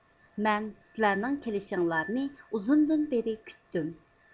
مەن سىلەرنىڭ كېلىشىڭلارنى ئۇزۇندىن بېرى كۈتتۈم